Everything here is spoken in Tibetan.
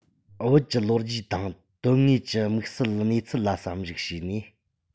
བོད ཀྱི ལོ རྒྱུས དང དོན དངོས ཀྱི དམིགས བསལ གནས ཚུལ ལ བསམ གཞིགས བྱས ནས